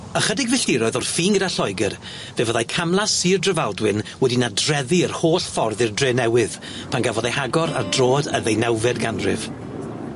Ychydig filltirodd o'r ffin gyda Lloegyr fe fyddai camlas Sir Drefaldwyn wedi nadreddu'r holl ffordd i'r Drenewydd pan gafodd ei hagor ar droad a ddeunawfed ganrif.